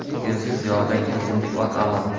sevimsiz yordan kezimlik ot a'lo